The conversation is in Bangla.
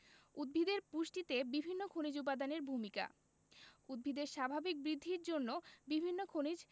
উদ্ভিদের পুষ্টিতে বিভিন্ন খনিজ উপাদানের ভূমিকা উদ্ভিদের স্বাভাবিক বৃদ্ধির জন্য বিভিন্ন খনিজ